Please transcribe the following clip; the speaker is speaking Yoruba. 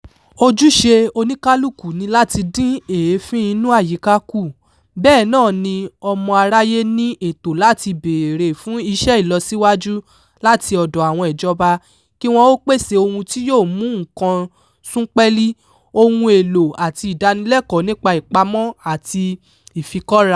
Ojúṣe oníkálukú ni láti dín èéfín inú àyíká kù, bẹ́ẹ̀ náà ni ọmọ aráyé ní ẹ̀tọ́ láti béèrè fún iṣẹ́ ìlọsíwájú láti ọ̀dọ̀ àwọn ìjọba kí wọn ó pèsè ohun tí yóò mú nǹkan sún pẹ́lí, ohun èlò àti ìdánilẹ́kọ̀ọ́ nípa ìpamọ́ àti ìfikọ́ra.